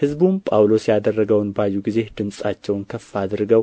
ሕዝቡም ጳውሎስ ያደረገውን ባዩ ጊዜ ድምፃቸውን ከፍ አድርገው